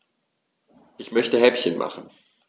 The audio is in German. Ich möchte Häppchen machen.